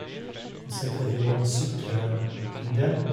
Altså, jeg driver jo og sykler en del.